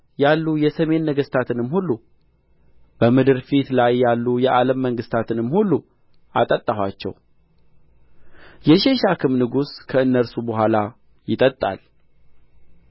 ያሉ የሰሜን ነገሥታትንም ሁሉ በምድር ፊት ላይ ያሉ የዓለም መንግሥታትንም ሁሉ አጠጣኋቸው የሼሻክም ንጉሥ ከእነርሱ በኋላ ይጠጣል